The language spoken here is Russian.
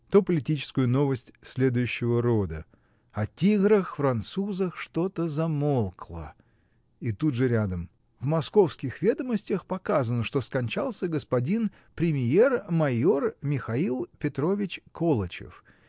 то политическую новость следующего рода: "О тиграх французах что-то замолкло", -- и тут же рядом: "В Московских ведомостях показано, что скончался господин премиер-маиор Михаил Петрович Колычев.